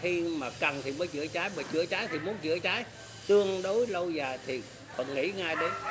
khi mà cần thì mới chữa cháy và chữa cháy chữa cháy tương đối lâu dài thì mình nghĩ ngay đến